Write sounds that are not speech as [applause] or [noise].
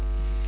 [hesitation] [hesitation]